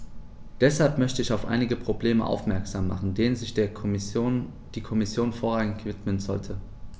Deshalb möchte ich auf einige Probleme aufmerksam machen, denen sich die Kommission vorrangig widmen sollte.